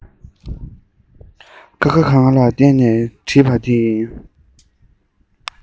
ཀ ཁ ག ང ལ བརྟེན ནས བྲིས པ དེ ཡིན